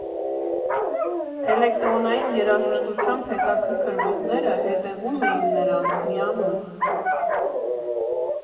Էլեկտրոնային երաժշտությամբ հետաքրքրվողները հետևում էին նրանց, միանում։